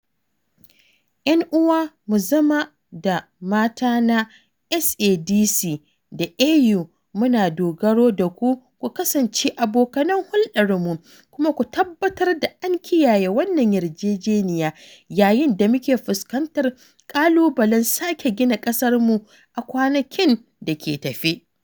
Ƴan’uwa mu maza da mata na SADC da AU, muna dogaro da ku ku kasance abokan hulɗarmu, kuma ku tabbatar an kiyaye wannan yarjejeniya yayin da muke fuskantar ƙalubalen sake gina ƙasarmu a kwanakin da ke tafe.